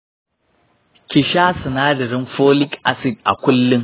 ki sha sinadarin folic acid a kullun.